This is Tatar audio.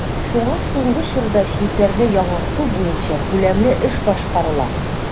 Шуңа соңгы чорда челтәрне яңарту буенча күләмле эш башкарыла.